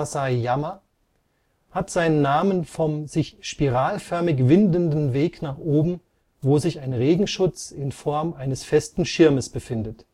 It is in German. Sasaeyama) hat seinen Namen vom sich spiralförmig windenden Weg nach oben, wo sich ein Regenschutz in Form eines festen Schirmes befindet